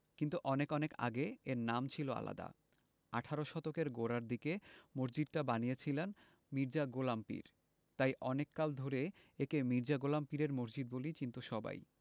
কিন্তু অনেক অনেক আগে এর নাম ছিল আলাদা আঠারো শতকের গোড়ার দিকে মসজিদটা বানিয়েছিলেন মির্জা গোলাম পীর তাই অনেক কাল ধরে একে মির্জা গোলাম পীরের মসজিদ বলেই চিনতো সবাই